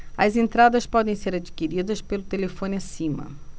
as entradas podem ser adquiridas pelo telefone acima